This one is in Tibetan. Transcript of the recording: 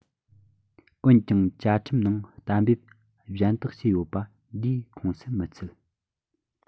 འོན ཀྱང བཅའ ཁྲིམས ནང གཏན འབེབས གཞན དག བྱས ཡོད པ འདིའི ཁོངས སུ མི ཚུད